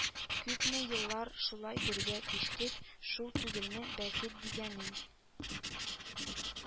Күпме еллар шулай бергә кичтек; Шул түгелме бәхет дигәнең